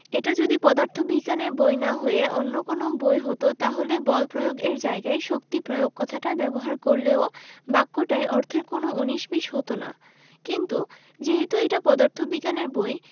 এটা যদি পদার্থবিজ্ঞানের বই না হয়ে অন্য কোনো বই হতো তাহলে বল প্রয়োগ এর জায়গায় শক্তি প্রয়োগ কথাটা ব্যবহার করলেও বাক্যটায় অর্থের কোনো উনিশ বিশ হতো না কিন্তু যেহেতু এটা পদার্থবিজ্ঞানের বই